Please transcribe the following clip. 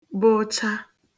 bụcha